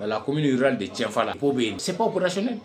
A kɔmi jira nin de cɛfa la ko bɛ yen sekuras